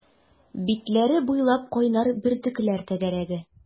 Битләре буйлап кайнар бөртекләр тәгәрәде.